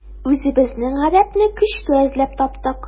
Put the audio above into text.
Үзебезнең гарәпне көчкә эзләп таптык.